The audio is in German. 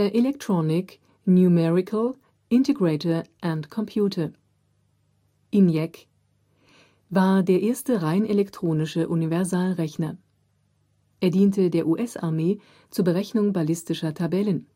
Electronic Numerical Integrator and Computer (ENIAC) war der erste rein elektronische Universalrechner. Er diente der US-Armee zur Berechnung ballistischer Tabellen